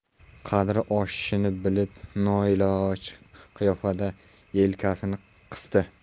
qadri oshishini bilib noiloj qiyofada yelkasini qisdi